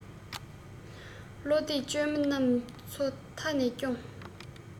བློ གཏད བཅོལ མི རྣམས ཚོ མཐའ ནས སྐྱོངས